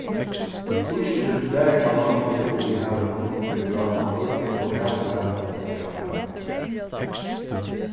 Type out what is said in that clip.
ísurin bæði á landi og í havinum er bráðnaður og havflatan er hækkað